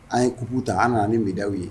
An ye kuku ta an nana ni médailles ye